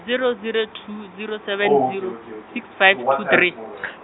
zero zero two, zero seven zero, six five two three .